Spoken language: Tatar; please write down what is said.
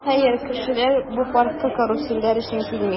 Хәер, кешеләр бу паркка карусельләр өчен килми.